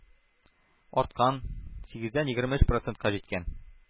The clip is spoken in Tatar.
Арткан: сигездән егерме өч процентка җиткән.